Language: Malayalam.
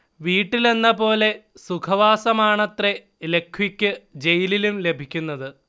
വീട്ടിലെന്ന പോലെ സുഖവാസമാണത്രേ ലഖ്വിക്ക് ജയിലിലും ലഭിക്കുന്നത്